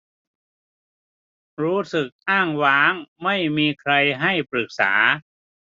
รู้สึกอ้างว้างไม่มีใครให้ปรึกษา